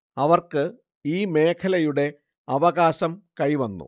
അവർക്ക് ഈ മേഖലയുടെ അവകാശം കൈവന്നു